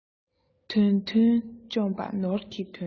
དོན མཐུན འཇོམས པ ནོར གྱི དོན